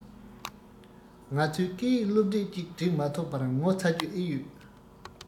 ང ཚོས སྐད ཡིག སློབ དེབ ཅིག སྒྲིག མ ཐུབ པར ངོ ཚ རྒྱུ ཨེ ཡོད